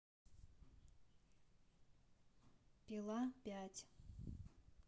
пила пять